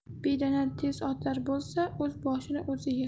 bedana tezotar bo'lsa o'z boshini o'zi yer